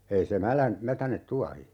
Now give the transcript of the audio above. ei se - mätäne tuohi